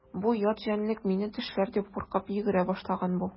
Бу ят җәнлек мине тешләр дип куркып йөгерә башлаган бу.